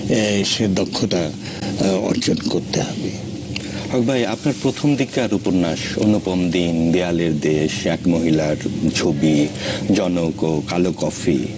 সে দক্ষতা অর্জন করতে হবে হক ভাই আপনার প্রথম দিককার উপন্যাস অনুপম দিন দেয়ালের দেশ এক মহিলার ছবি জনক ও কালো কফি